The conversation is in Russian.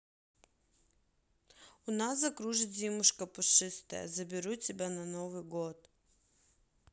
у нас закружит зимушка пушистая заберу тебя на новый год